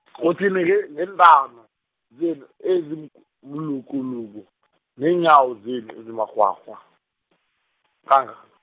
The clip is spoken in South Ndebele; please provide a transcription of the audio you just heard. kuthini nge- ngentamo, zenu ezimku- -lukuluku, nenyawo zenu ezimakghwakghwa, kangaka.